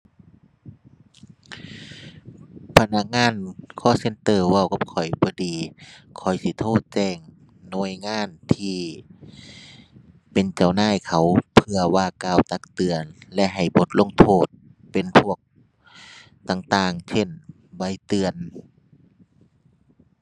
พนักงาน call center เว้ากับข้อยบ่ดี ข้อยสิโทรแจ้งหน่วยงานที่เป็นเจ้านายเขา เพื่อว่ากล่าวตักเตือน และให้บทลงโทษเป็นพวกต่างต่าง เช่น ใบเตือน